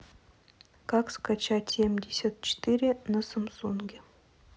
как скачать семьдесят четыре на самсунге